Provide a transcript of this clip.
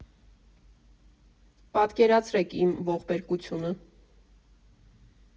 Պատկերացրեք իմ ողբերգությունը։